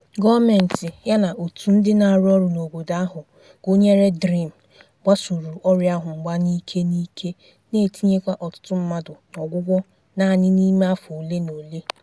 Gọọmentị, yana òtù ndị na-arụ ọrụ n'obodo ahụ, gụnyere DREAM, gbasoro ọrịa ahụ mgba n'ike n'ike, na-etinyekwa ọtụtụ mmadụ n'ọgwụgwọ naanị n'ime afọ ole na ole.